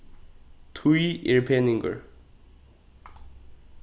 tíð er peningur